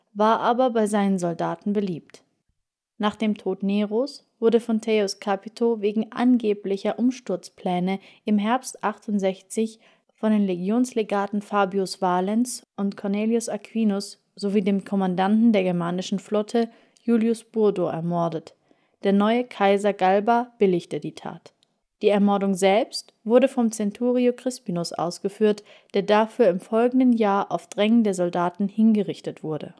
war aber bei seinen Soldaten beliebt. Nach dem Tod Neros wurde Fonteius Capito wegen angeblicher Umsturzpläne im Herbst 68 von den Legionslegaten Fabius Valens und Cornelius Aquinus sowie dem Kommandanten der germanischen Flotte, Iulius Burdo, ermordet; der neue Kaiser Galba billigte die Tat. Die Ermordung selbst wurde vom Centurio Crispinus ausgeführt, der dafür im folgenden Jahr auf Drängen der Soldaten hingerichtet wurde